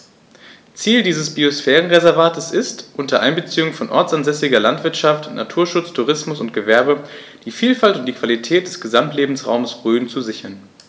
Ziel dieses Biosphärenreservates ist, unter Einbeziehung von ortsansässiger Landwirtschaft, Naturschutz, Tourismus und Gewerbe die Vielfalt und die Qualität des Gesamtlebensraumes Rhön zu sichern.